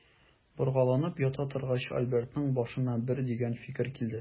Боргаланып ята торгач, Альбертның башына бер дигән фикер килде.